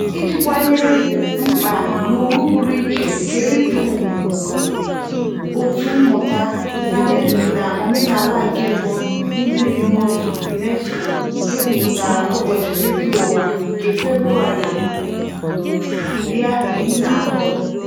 Iji kwanyere mkpa na uru pụrụ iche nke redio ùgwù, Òtù Mmụta, Sayensị na Omenala nke Mba Ndị Dị n'Otu (UNESCO) ekwupụtala ụbọchị redio ụwa nke Febụwarị 13.